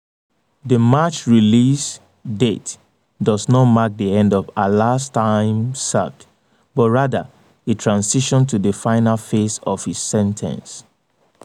The March release date does not mark the end of Alaa's time served, but rather a transition to the final phase of his sentence.